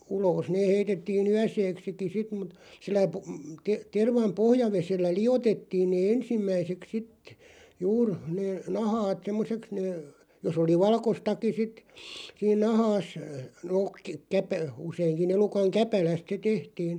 ulos ne heitettiin yöksikin sitten mutta sillä -- tervan pohjavedellä liotettiin ne ensimmäiseksi sitten juuri ne nahat semmoiseksi ne jos oli valkoistakin sitten siinä nahassa no -- useinkin elukan käpälästä se tehtiin